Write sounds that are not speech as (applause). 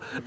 (hesitation) (hesitation)